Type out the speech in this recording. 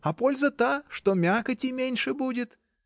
А польза та, что мякотей меньше будет.